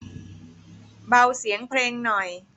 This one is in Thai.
เบาเสียงเพลงหน่อย